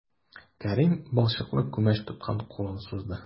Кәрим балчыклы күмәч тоткан кулын сузды.